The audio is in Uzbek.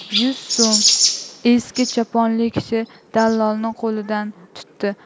yuz so'm eski choponli kishi dallolning qo'lidan tutdi